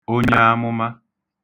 onyaamụma